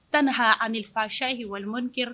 Tan niha nifaya ye wa kɛra